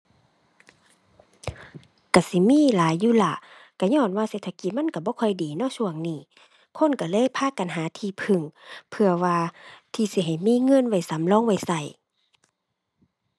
ก็สิมีหลายอยู่ล่ะ ก็ญ้อนว่าเศรษฐกิจมันก็บ่ค่อยดีเนาะช่วงนี้ คนก็เลยพากันหาที่พึ่ง เพื่อว่าที่สิให้มีเงินไว้สำรองไว้ก็